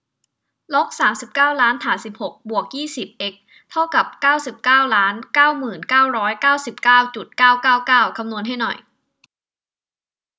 ล็อกสามสิบเก้าล้านฐานสิบหกบวกยี่สิบเอ็กซ์เท่ากับเก้าสิบเก้าล้านเก้าหมื่นเก้าร้อยเก้าสิบเก้าจุดเก้าเก้าเก้าคำนวณให้หน่อย